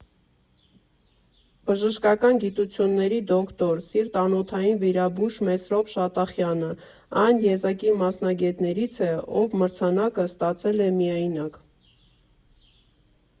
Բժշկական գիտությունների դոկտոր, սիրտանոթային վիրաբույժ Մեսրոպ Շատախյանը այն եզակի մասնագետներից է, ով մրցանակը ստացել է միայնակ։